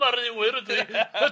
Ma ry wir yndi?